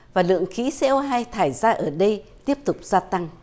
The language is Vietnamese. và lượng khí xê ô hai thải ra ở đây tiếp tục gia tăng